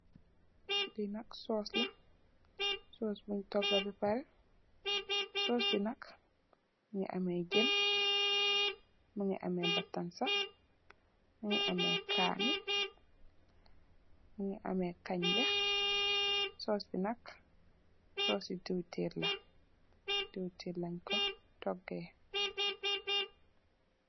Lii nak sauce la, sauce bungh tohgah beh pareh, sauce bii nak mungy ameh jeun, mungy ameh batanseh, mungy ameh kaani, mungy ameh kanjah, sauce bii nak, sauce cii diwtirr la, diwtirr langh kor tohgeh.